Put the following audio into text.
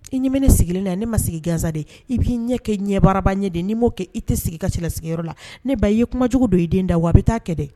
I ɲɛ ne sigilen la ne ma sigi gansa dɛ , i b'i ɲɛ kɛ ɲɛbaraba ɲɛ de, ni m'o kɛ, i tɛ sigi i ka cɛ la sigiyɔrɔ la. Ne ba i ye kuma jugu don i den da, wa a bɛ taa kɛ dɛ.